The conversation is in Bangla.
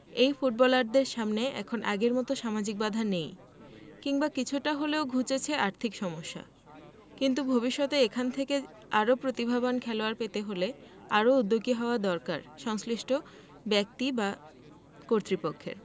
এই ফুটবলারদের সামনে এখন আগের মতো সামাজিক বাধা নেই কিংবা কিছুটা হলেও ঘুচেছে আর্থিক সমস্যা কিন্তু ভবিষ্যতে এখান থেকে আরও প্রতিভাবান খেলোয়াড় পেতে হলে আরও উদ্যোগী হওয়া দরকার সংশ্লিষ্ট ব্যক্তি বা কর্তৃপক্ষের